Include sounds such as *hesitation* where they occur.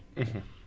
*hesitation* *hesitation*